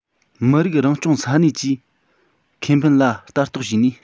མི རིགས རང སྐྱོང ས གནས ཀྱི ཁེ ཕན ལ ལྟ རྟོག བྱས ནས